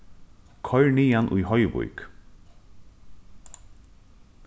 koyr niðan í hoyvík